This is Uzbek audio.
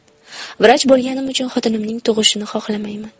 vrach bo'lganim uchun xotinimning tug'ishini xohlamayman